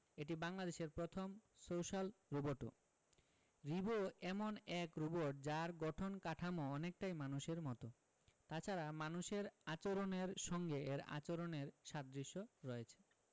এটি বাংলাদেশের প্রথম সোশ্যাল রোবটও রিবো এমন এক রোবট যার গঠন কাঠামো অনেকটাই মানুষের মতো তাছাড়া মানুষের আচরণের সঙ্গে এর আচরণের সাদৃশ্য রয়েছে